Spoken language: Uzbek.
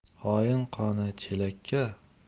xoin qoni chelakka